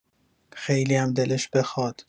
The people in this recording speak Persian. خیلیم دلش بخواد.